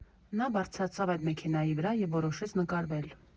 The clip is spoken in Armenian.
Նա բարձրացավ այդ մեքենայի վրա և որոշեց նկարվել։